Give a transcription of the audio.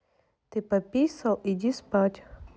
ты пописал иди спать